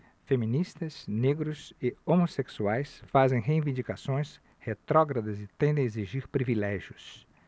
feministas negros e homossexuais fazem reivindicações retrógradas e tendem a exigir privilégios